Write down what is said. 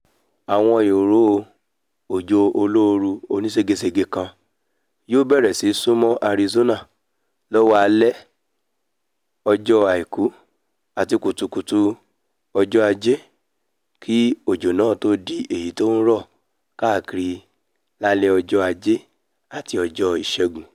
Àwọn ìrọ̀ òjò olóoru onísége-sège kan yóò bẹ̀rẹ̀ sí súnmọ́ Arizona lọ́wọ́ alẹ́ ọjọ́ Àìkú àti kùtùkùtù ọjọ Ajé, kí òjò náà tó di èyití ó ńrọ̀ káàkiri lálẹ́ ọjọ́ Ajé àti ọjọ́ Ìṣẹ́gun.